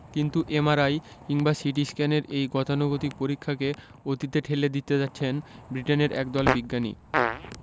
কিন্তু এমআরআই কিংবা সিটিস্ক্যানের এই গতানুগতিক পরীক্ষাকে অতীতে ঠেলে দিতে যাচ্ছেন ব্রিটেনের একদল বিজ্ঞানী